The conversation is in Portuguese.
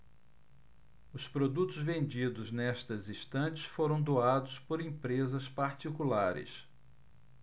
os produtos vendidos nestas estantes foram doados por empresas particulares